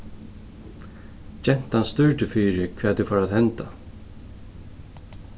gentan stúrdi fyri hvat ið fór at henda